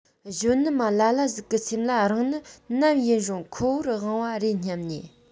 གཞོན ནུ མ ལ ལ ཞིག གི སེམས ལ རང ནི ནམ ཡིན རུང ཁོ བོར དབང བ རེད སྙམ ནས